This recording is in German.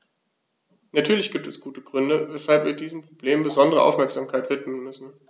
Natürlich gibt es gute Gründe, weshalb wir diesem Problem besondere Aufmerksamkeit widmen müssen.